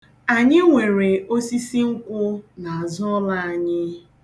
Anyị nwere osisi nkwụ n'azụụlọ anyị.